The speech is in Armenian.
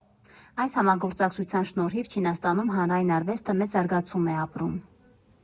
Այս համագործակցության շնորհիվ Չինաստանում հանրային արվեստը մեծ զարգացում է ապրում։